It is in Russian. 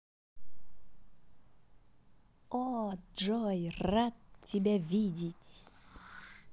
о джой рад тебя видеть